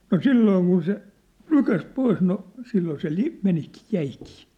no silloin kun se nykäisi pois no silloin se - menikin jäikin